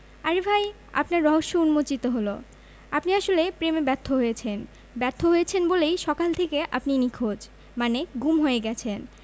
আরে ভাই আপনার রহস্য উম্মোচিত হলো আপনি আসলে প্রেমে ব্যর্থ হয়েছেন ব্যর্থ হয়েছেন বলেই সকাল থেকে আপনি নিখোঁজ মানে গুম হয়ে গেছেন